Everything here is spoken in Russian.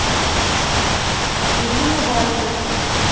ирина вальтер